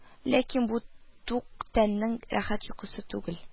Ләкин бу тук тәннең рәхәт йокысы түгел